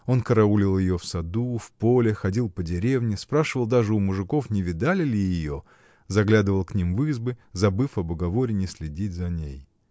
Он караулил ее в саду, в поле, ходил по деревне, спрашивал даже у мужиков, не видали ли ее, заглядывал к ним в избы, забыв об уговоре не следить за ней.